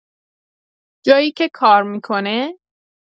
جایی که کار می‌کنه؟